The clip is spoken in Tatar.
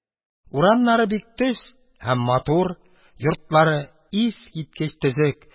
Урамнары бик төз һәм матур, йортлары искиткеч төзек.